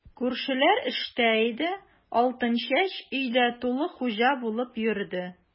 Күршеләр эштә иде, Алтынчәч өйдә тулы хуҗа булып йөрде.